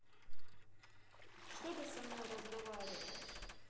что ты со мной разговариваешь